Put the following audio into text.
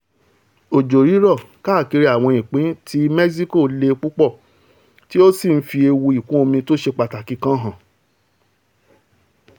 Òjò-rírọ̀ káàkiri àwọn ìpin ti Mẹ́ṣíkò leè pọ púpọ̀, tí ó sì ń fi ewu ìkún-omi tóṣe pàtakì kàn hàn.